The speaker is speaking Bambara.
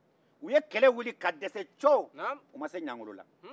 u ye kɛlɛ wuli ka dɛsɛ coo u ma se ɲangolo la